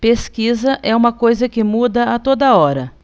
pesquisa é uma coisa que muda a toda hora